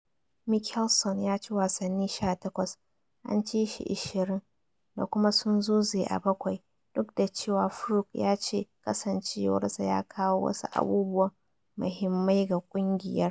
Mickelson ya ci wasanni 18, an ci shi 20 da kuma sun zuze a bakwai, duk da cewa Furyk ya ce kasancewarsa ya kawo wasu abubuwan mahimmai ga kungiyar.